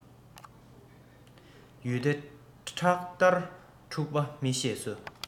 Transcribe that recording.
ཡུལ སྡེ ཁྲག ལྟར འཁྲུག པ མི ཤེས སོ